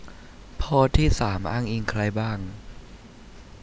โพสต์ที่สามอ้างอิงใครบ้าง